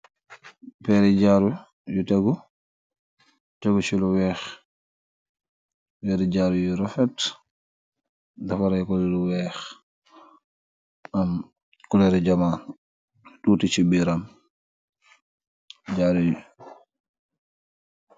Pereh jaruh yu teguh , teguh si lu weeh , Njareh jaruh yu refet , defereh kooh lu weeh emm ku loor li jamaah tuti si biram , jaruyeh .